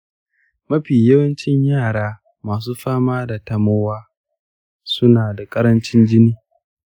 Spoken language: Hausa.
mafi yawancin yara masu fama da tamowa suna da ƙarancin jini.